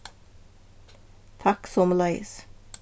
takk somuleiðis